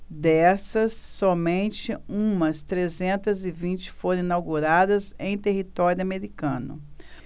dessas somente umas trezentas e vinte foram inauguradas em território americano